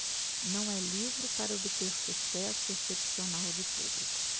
não é livro para obter sucesso excepcional de público